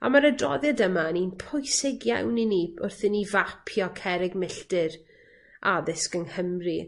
A my'r adroddiad yma yn un pwysig iawn i ni wrth i ni fapio cerrig milltir addysg yng Nghymru.